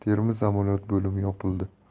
filiali termiz amaliyot bo'limi yopildi